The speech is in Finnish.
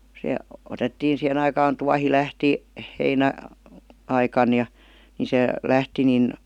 se otettiin siihen aikaan tuohi lähti - heinäaikana ja niin se lähti niin